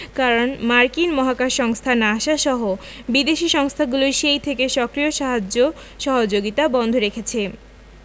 কারণ মার্কিন মহাকাশ সংস্থা নাসা সহ বিদেশি সংস্থাগুলো সেই থেকে সক্রিয় সাহায্য সহযোগিতা বন্ধ রেখেছে